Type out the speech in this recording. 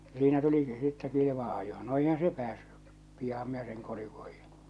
ja siinä tulikin sitten kilvan ajo no eihän se päässyt pianhan minä sen kolhin